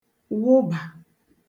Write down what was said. wụbà